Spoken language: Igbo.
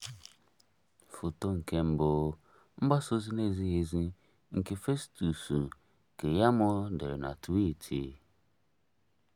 Foto nke 1: Mgbasa ozi na-ezighi ezi nke Festus Keyamo dere na tweet